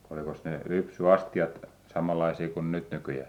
olikos ne lypsyastiat samanlaisia kuin nyt nykyään